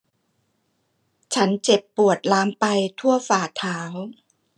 ฉันเจ็บปวดลามไปทั่วฝ่าเท้า